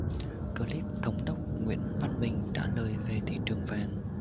clip thống đốc nguyễn văn bình trả lời về thị trường vàng